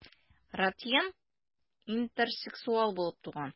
Ратьен интерсексуал булып туган.